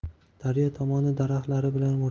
daryo tomoni daraxtlar bilan